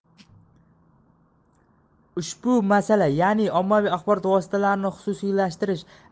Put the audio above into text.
ushbu masala ya'ni ommaviy axborot vositalarini xususiylashtirish